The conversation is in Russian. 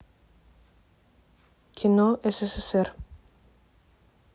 кино ссср